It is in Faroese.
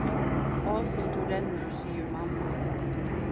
á sum tú rennur sigur mamman